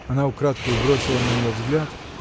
Она украдкою бросила на него взгляд